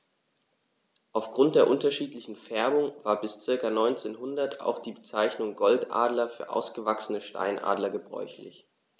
Auf Grund der unterschiedlichen Färbung war bis ca. 1900 auch die Bezeichnung Goldadler für ausgewachsene Steinadler gebräuchlich.